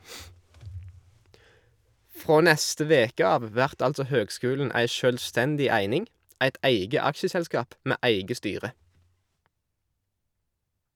Frå neste veke av vert altså høgskulen ei sjølvstendig eining, eit eige aksjeselskap med eige styre.